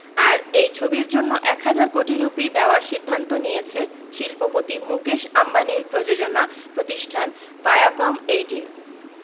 আর এই ছবির জন্য এক হাজার কোটি রুপি দেওয়ার সিদ্ধান্ত নিয়েছে শিল্পপতি মুকেশ আম্বানির প্রযোজনা প্রতিষ্ঠান ভায়াকম এইটিন